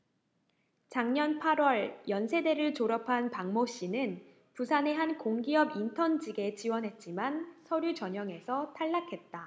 작년 팔 월 연세대를 졸업한 박모씨는 부산의 한 공기업 인턴 직에 지원했지만 서류 전형에서 탈락했다